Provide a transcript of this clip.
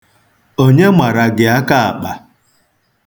Onye mara gị akaakpa?